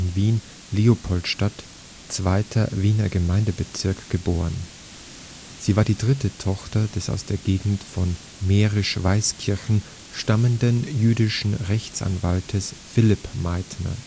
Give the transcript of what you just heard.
Wien Leopoldstadt (2. Wiener Gemeindebezirk) geboren. Sie war die dritte Tochter des aus der Gegend von Mährisch Weißkirchen stammenden jüdischen Rechtsanwaltes Philipp Meitner